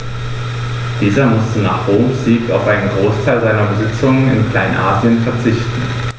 Dieser musste nach Roms Sieg auf einen Großteil seiner Besitzungen in Kleinasien verzichten.